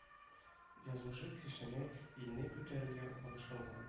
Язмышы кешене илне күтәрүгә багышланган